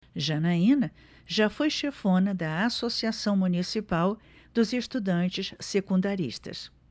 janaina foi chefona da ames associação municipal dos estudantes secundaristas